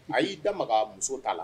A y'i da ma muso t'a la